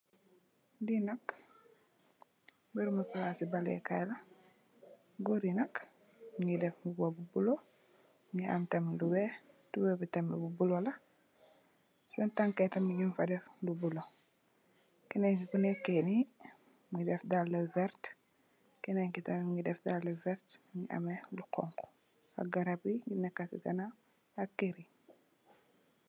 Li nak mberebi palasi baleh kai la, goor yi nak nyungi def mboba bu bulo, mungi am tamit lu weex, tubey bi tamit bulo la, seen tangka bi tamit nyung fa def lu bulo. Kenenki kuneke ni mungi def dalla yu verte, kenenki tamit mungi def dalla yu verte mungi ame dallla yu xonxo mungi ame garap ak keur yu neka ci ganaw.